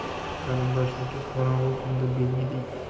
qarindoshniki qorong'u kunda belgili